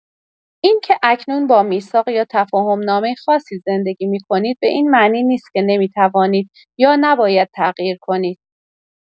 اینکه اکنون با میثاق یا تفاهم‌نامه خاصی زندگی می‌کنید به این معنی نیست که نمی‌توانید یا نباید تغییر کنید.